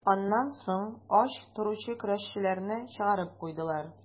Аннан соң ач торучы көрәшчеләрне чыгарып куйдылар.